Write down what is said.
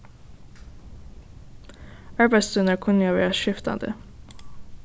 arbeiðstíðirnar kunnu verða skiftandi